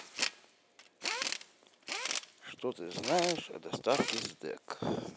что ты знаешь о доставке сдэк